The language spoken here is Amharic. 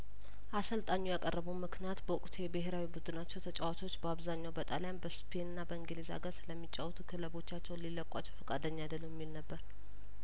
አሰልጣኙ ያቀረበው ምክንያት በወቅቱ የብሄራዊ ቡድናቸው ተጫዋቾች በአብዛኛው በጣልያን በስፔንና በእንግሊዝ ሀገር ስለሚጫወቱ ክለቦቻቸው ሊለቋቸው ፍቃደኛ አይደሉም የሚል ነበር